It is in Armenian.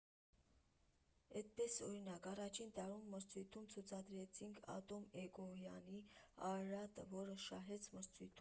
Էդպես, օրինակ, առաջին տարում մրցույթում ցուցադրեցինք Ատոմ Էգոյանի «Արարատը», որը շահեց մրցույթում։